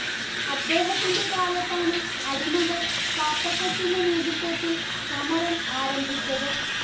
അദ്ദേഹത്തിന്റെ കാലത്താണ് അടിമകൾ സ്പാർട്ടക്കുസിന്റെ നേതൃത്വത്തിൽ സമരം ആരംഭിച്ചത്